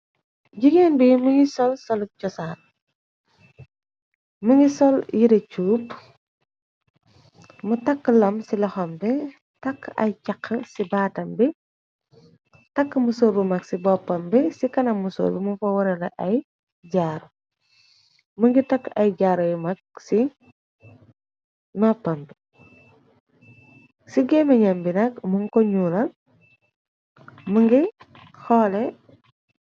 Jigeen bi mi ngi sol solu chosaan mi ngi sol yire chub mu takk lam ci loxam bi takk ay caq ci baatam bi takk mu sorbu mag ci boppam bi ci kana musor bi mu fa warala ay jaaru më ngi takk ay jaaro yu mag ci noppambi ci géeme ñam bi nag mun ko ñyuulal më ngi xoole.